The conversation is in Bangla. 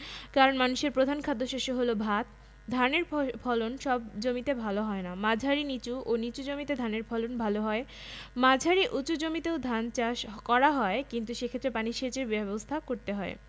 যৌগের ধর্ম কিন্তু মৌলসমূহের ধর্ম থেকে সম্পূর্ণ আলাদা যেমন সাধারণ তাপমাত্রায় হাইড্রোজেন ও অক্সিজেন গ্যাসীয় কিন্তু এদের থেকে উৎপন্ন যৌগ পানি সাধারণ তাপমাত্রায় তরল